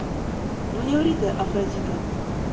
ну не ври ты афродита